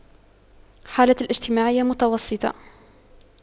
حالتي الاجتماعية متوسطة